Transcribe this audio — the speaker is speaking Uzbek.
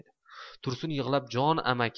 tursun yig'lab jon amaki